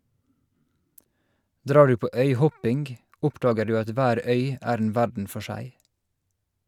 Drar du på øyhopping, oppdager du at hver øy er en verden for seg.